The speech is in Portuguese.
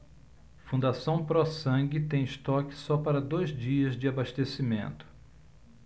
fundação pró sangue tem estoque só para dois dias de abastecimento